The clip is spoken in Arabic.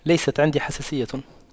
ليست عندي حساسية